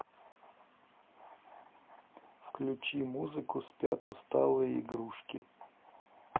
включи музыку спят усталые игрушки